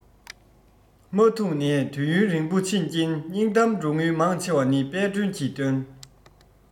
མ ཐུགས ནས དུས ཡུན རིང པོ ཕྱིན རྐྱེན སྙིང གཏམ འགྲོ དངུལ མང ཆེ བ ནི དཔལ སྒྲོན གྱི བཏོན